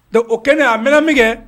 Donc o kɛlen a mɛɛna min kɛ